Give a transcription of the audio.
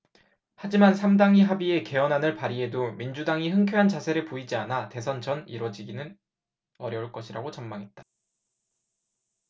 하지만 삼 당이 합의해 개헌안을 발의해도 민주당이 흔쾌한 자세를 보이지 않아 대선 전 이뤄지기는 어려울 것이라고 전망했다